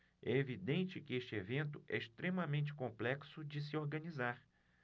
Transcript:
é evidente que este evento é extremamente complexo de se organizar